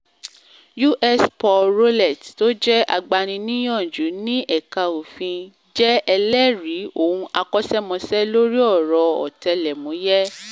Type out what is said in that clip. U.S. Paul Rowlett, tó jẹ́ agbaniníyànju ní ẹ̀ka Òfin, jẹ́ ẹlẹ́rìí òun akọṣẹ́mọṣẹ́ lórí ọ̀rọ̀ ọ̀tẹlẹ̀múyé.